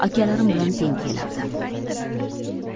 akalarim bilan teng kelardi